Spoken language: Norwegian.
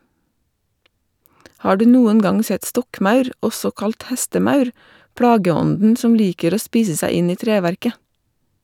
Har du noen gang sett stokkmaur, også kalt hestemaur, plageånden som liker å spise seg inn i treverket?